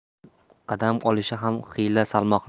qadam olishi ham xiyla salmoqli